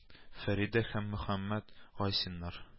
Фәридә һәм Мөхәммәт Гайсиннар